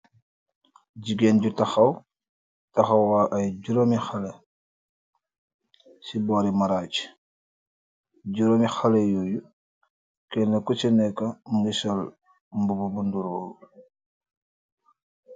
Gigain ju takhaw, takhaw wa iiy juromi haleh ci bohri marajj, juromi haleh yoyu kenah ku ci nekah mungy sol mbuba bu nduroh.